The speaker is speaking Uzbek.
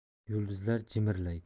yulduzlar jimirlaydi